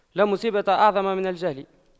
لا مصيبة أعظم من الجهل